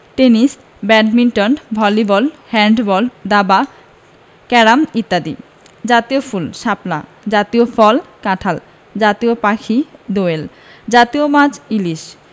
tennis badminton volleyball handball দাবা carrom ইত্যাদি জাতীয় ফুলঃ শাপলা জাতীয় ফলঃ কাঁঠাল জাতীয় পাখিঃ দোয়েল জাতীয় মাছঃ ইলিশ